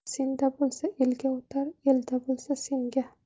senda bo'lsa elga o'tar elda bo'lsa senga